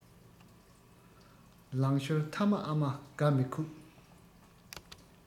ལང ཤོར ཐ མ ཨ མ དགའ མི ཁུག